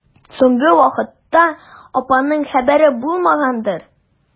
Соңгы вакытта апаңның хәбәре булмагандыр?